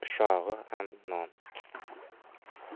ushog'i ham non